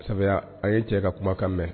Sami a ye cɛ ka kumakan mɛn